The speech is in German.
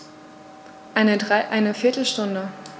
Eine viertel Stunde